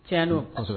Tiɲɛn don